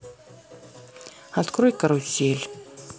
открой карусель